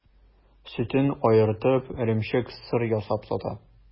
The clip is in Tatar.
Сөтен аертып, эремчек, сыр ясап сата.